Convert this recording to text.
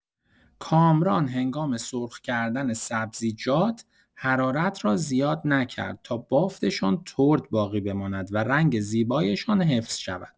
کامران هنگام سرخ کردن سبزیجات، حرارت را زیاد نکرد تا بافتشان ترد باقی بماند و رنگ زیبایشان حفظ شود.